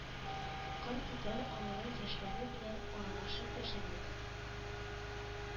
Кыртүтәл авылы яшьләре белән аралашып яшәдек